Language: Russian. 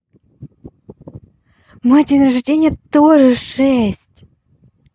мой день рождения тоже шесть